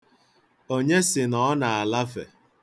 Onye sị na ọ na-alafe?